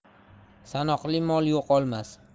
sanoqli mol yo'qolmas